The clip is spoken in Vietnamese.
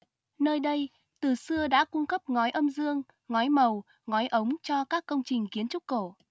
nơi đây từ xưa đã cung cấp ngói âm dương ngói mầu ngói ống cho các công trình kiến trúc cổ